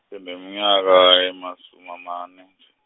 ngineminyaka, emasumi amane .